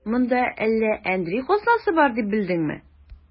Монда әллә әндри казнасы бар дип белдеңме?